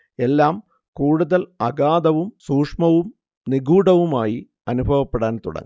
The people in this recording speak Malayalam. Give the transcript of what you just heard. എല്ലാം കൂടുതൽ അഗാധവും സൂക്ഷ്മവും നിഗൂഢവുമായി അനുഭവപ്പെടാൻ തുടങ്ങി